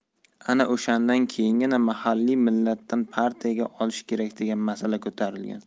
ana o'shandan keyingina mahalliy millatdan partiyaga olish kerak degan masala ko'tarilgan